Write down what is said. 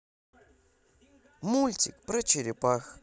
мультик про черепах